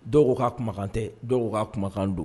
Dɔw ko ka kumakan tɛ dɔw ko ka a kumakan don.